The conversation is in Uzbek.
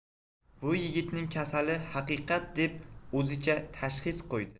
bu yigitning kasali haqiqat deb o'zicha tashxis qo'ydi